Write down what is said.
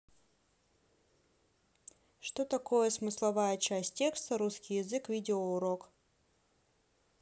что такое смысловая часть текста русский язык видеоурок